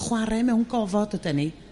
chwar'e mewn gofod ydan ni